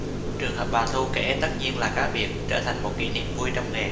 trường hợp bà thu kể tất nhiên là cá biệt trở thành một kỷ niệm vui trong nghề